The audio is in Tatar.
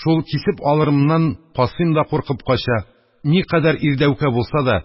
Шул «кисеп алырмын»нан Касыйм да куркып кача, никадәр ирдәүкә булса да,